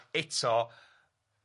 Eto